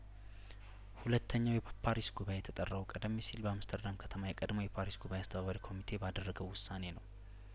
ሁለተኛው የፓሪስ ጉባኤ የተጠራው ቀደም ሲል በአምስተርዳም ከተማ የቀድሞው የፓሪስ ጉባኤ አስተባባሪ ኮሚቴ ባደረገው ውሳኔ ነው